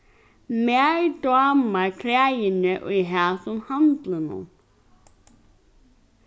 mær dámar klæðini í hasum handlinum